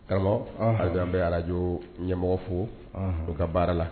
Karamɔgɔ a bɛ arajo ɲɛmɔgɔ fo u ka baara la